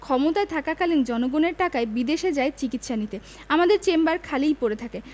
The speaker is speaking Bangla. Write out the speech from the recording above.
ক্ষমতায় থাকাকালীন জনগণের টাকায় বিদেশে যায় চিকিৎসা নিতে আমাদের চেম্বার খালিই পড়ে থাকে